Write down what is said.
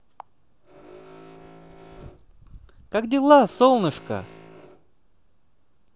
как дела солнышко